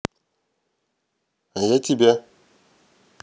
а я тебя